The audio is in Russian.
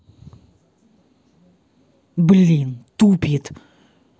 блин тупит